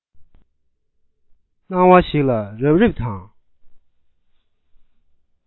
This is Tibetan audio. སྣང བ ཞིག ལ རབ རིབ དང